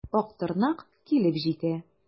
Актырнак килеп җитә.